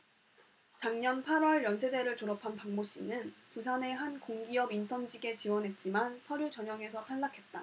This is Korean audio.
작년 팔 월 연세대를 졸업한 박모씨는 부산의 한 공기업 인턴 직에 지원했지만 서류 전형에서 탈락했다